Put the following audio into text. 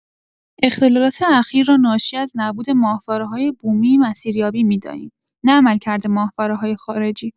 اختلالات اخیر را ناشی از نبود ماهواره‌های بومی مسیریابی می‌دانیم، نه عملکرد ماهواره‌های خارجی.